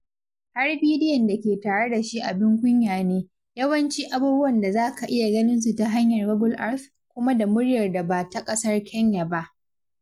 Har bidiyon da ke tare da shi abin kunya ne: yawanci abubuwan da za ka iya ganin su ta hanyar Google Earth, kuma da muryar da ba ta ƙasar Kenya ba.